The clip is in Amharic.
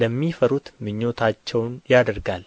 ለሚፈሩት ምኞታቸውን ያደርጋል